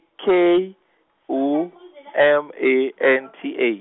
K, U, M A N T A.